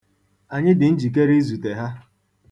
Anyị dị njikere izute ha.